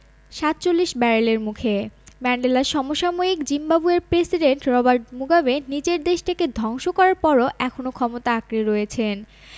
৪৭ ব্যারেলের মুখে ম্যান্ডেলার সমসাময়িক জিম্বাবুয়ের প্রেসিডেন্ট রবার্ট মুগাবে নিজের দেশটাকে ধ্বংস করার পরও এখনো ক্ষমতা আঁকড়ে রয়েছেন